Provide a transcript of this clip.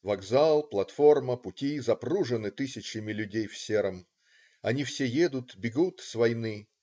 Вокзал, платформа, пути запружены тысячами людей в сером. Они все едут-бегут с войны.